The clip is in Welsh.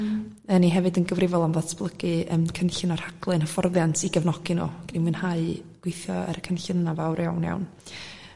hmm... oni hefyd yn gyfrifol am ddatblygu yym cynllun a rhaglen hyfforddiant i gefnogi n'w a oni'n mwynhau gweithio ar y cynllun yna'n fawr iawn iawn